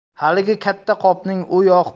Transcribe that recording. haligi katta qopning u